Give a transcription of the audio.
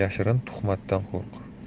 yashirin tuhmatdan qo'rq